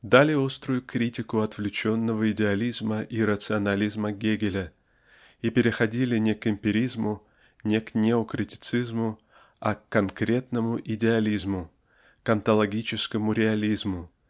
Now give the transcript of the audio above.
дали острую критику отвлеченного идеализма и рационализма Гегеля и переходили не к эмпиризму не к неокритицизму а к конкретному идеализму к онтологическому реализму